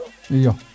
iyo